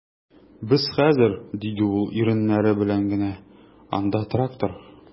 Без хәзер, - диде ул иреннәре белән генә, - анда трактор...